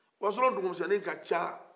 wasolo dugu misɛnni kan can